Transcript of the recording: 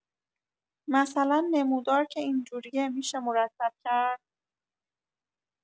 مثلن نمودار که اینجوریه می‌شه مرتب کرد؟